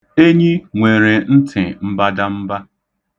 Enyi nwere ntị mbadamba.